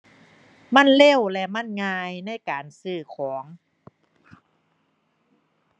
มันเร็วและมันง่ายในการซื้อของ